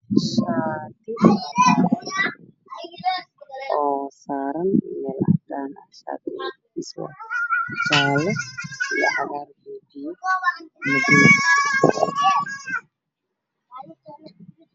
Waa shaar oo saaran miis caddaan midabkiisa yahay shaatiga jaalo caddaan kartoon madow ayaa ku dhagan